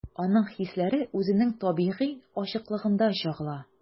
Аның хисләре үзенең табигый ачыклыгында чагыла.